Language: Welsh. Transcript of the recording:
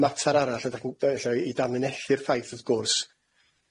Y mater arall ydach chi'n yy ella i i damlinelli'r ffaith wrth gwrs,